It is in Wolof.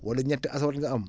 wala ñetti azote nga am